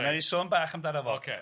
Nnawn ni sôn bach amdano fo... Ocê...